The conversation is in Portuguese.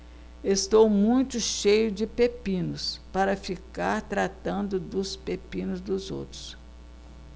estou muito cheio de pepinos para ficar tratando dos pepinos dos outros